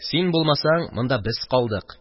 Син булмасаң, монда без калдык